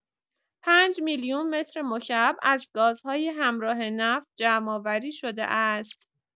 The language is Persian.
۵ میلیون مترمکعب از گازهای همراه نفت جمع‌آوری شده است.